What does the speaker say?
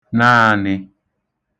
naānị̄